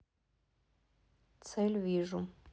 цель вижу